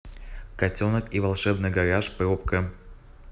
котенок и волшебный гараж пробка